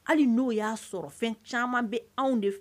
Hali n'o y'a sɔrɔ fɛn caman bɛ anw de fɛ